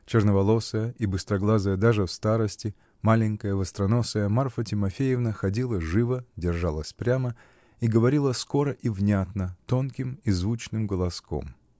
Черноволосая и быстроглазая даже в старости, маленькая, востроносая, Марфа Тимофеевна ходила живо, держалась прямо и говорила скоро и внятно, тонким и звучным голоском.